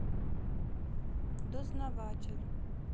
дознаватель